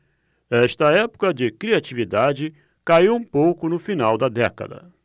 esta época de criatividade caiu um pouco no final da década